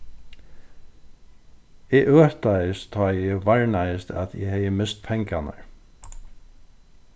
eg øtaðist tá ið eg varnaðist at eg hevði mist pengarnar